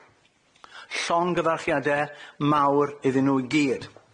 Llongyfarchiade mawr iddyn nw i gyd.